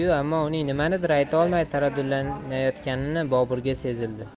yu ammo uning nimanidir aytolmay taraddudlanayotgani boburga sezildi